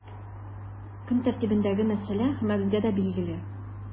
Көн тәртибендәге мәсьәлә һәммәбезгә дә билгеле.